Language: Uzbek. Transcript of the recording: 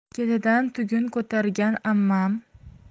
ketidan tugun ko'targan ammam